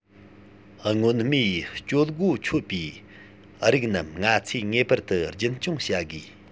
སྔོན མའི སྤྱོད གོ ཆོད པའི རིགས རྣམས ང ཚོས ངེས པར དུ རྒྱུན འཁྱོངས བྱ དགོས